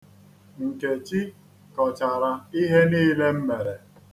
Nkechi kọchara ihe niile m mere